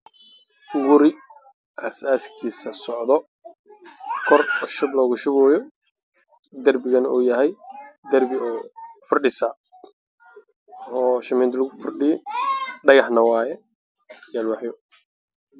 Guri aasaaskiisa socdo darbi firdhis ah dhagax iyo alwaaxayo